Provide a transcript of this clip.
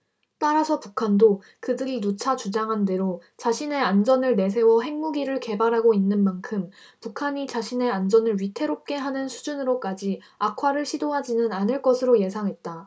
따라서 북한도 그들이 누차 주장한대로 자신의 안전을 내세워 핵무기를 개발하고 있는 만큼 북한이 자신의 안전을 위태롭게 하는 수준으로까지 악화를 시도하지는 않을 것으로 예상했다